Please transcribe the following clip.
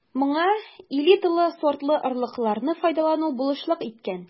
Моңа элиталы сортлы орлыкларны файдалану булышлык иткән.